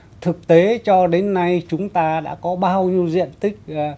thực tế cho đến nay chúng ta đã có bao nhiêu diện tích